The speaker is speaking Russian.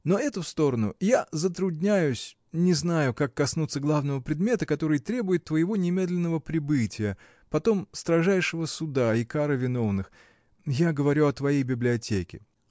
Но это в сторону: я затрудняюсь, не знаю, как коснуться главного предмета, который требует твоего немедленного прибытия, потом строжайшего суда и кары виновных. Я говорю о твоей библиотеке.